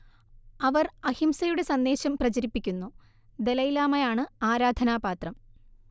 അവർ അഹിംസയുടെ സന്ദേശം പ്രചരിപ്പിക്കുന്നു ദലൈലാമയാണ് ആരാധനാപാത്രം